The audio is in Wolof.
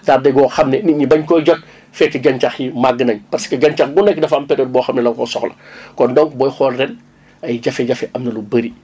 tardé goo xam ne nit ñi dañ koy jot fekk gàncax yi màgg nañ parce que gàncax bu nekk dafa am période boo xam ne la ko soxla kon donc booy xool ren ay jafe-jafe am na lu bëri